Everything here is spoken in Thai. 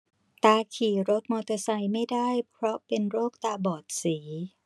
ตาขี่รถมอเตอร์ไซค์ไม่ได้เพราะเป็นโรคตาบอดสี